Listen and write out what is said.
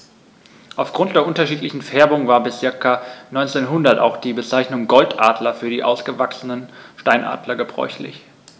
Auf Grund der unterschiedlichen Färbung war bis ca. 1900 auch die Bezeichnung Goldadler für ausgewachsene Steinadler gebräuchlich.